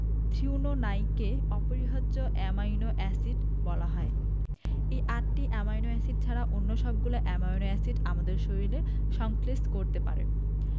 থ্রিওনোনাইনকে অপরিহার্য amino acid বলা হয় এই আটটি অ্যামাইনো এসিড ছাড়া অন্য সবগুলো অ্যামাইনো এসিড আমাদের শরীরে সংশ্লেষ করতে পারে